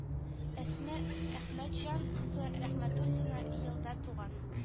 Әсма әхмәтҗан кызы рәхмәтуллина елда туган